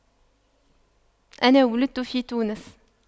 أنا ولدت في تونس